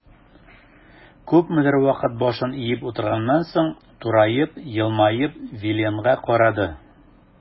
Күпмедер вакыт башын иеп утырганнан соң, тураеп, елмаеп Виленга карады.